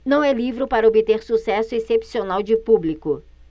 não é livro para obter sucesso excepcional de público